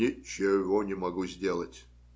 - Ничего не могу сделать.